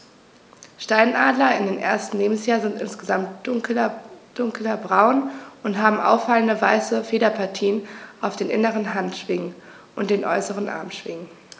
Steinadler im ersten Lebensjahr sind insgesamt dunkler braun und haben auffallende, weiße Federpartien auf den inneren Handschwingen und den äußeren Armschwingen.